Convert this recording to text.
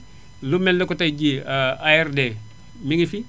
lu mel ni que tay jii ARD mi ngi fi